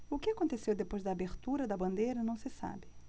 o que aconteceu depois da abertura da bandeira não se sabe